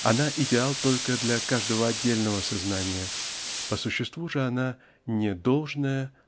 она -- идеал только для каждого отдельного сознания по существу же она -- не должное